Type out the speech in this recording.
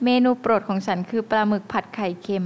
เมนูโปรดของฉันคือปลาหมึกผัดไข่เค็ม